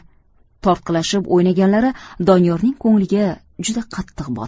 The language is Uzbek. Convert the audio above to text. tortqilashib o'ynaganlari doniyorning ko'ngliga juda qattiq botdi